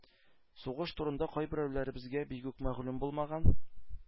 Сугыш турында кайберәүләребезгә бигүк мәгълүм булмаган